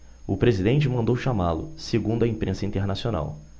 o presidente mandou chamá-lo segundo a imprensa internacional